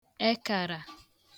ekàra